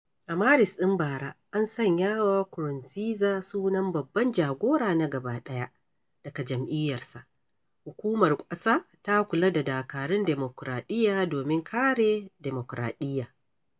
A Maris ɗin bara, an sanya wa Nkurunziza sunan "baban jagora na gabaɗaya" daga jam'iyyarsa, Hukumar ƙasa ta Kula da Dakarun Dimukuraɗiyya domin kare Dimukuraɗiyya.